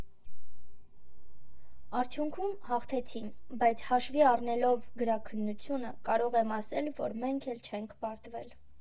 Արդյունքում՝ հաղթեցին, բայց հաշվի առնելով գրաքննությունը՝ կարող եմ ասել, որ մենք էլ չենք պարտվել…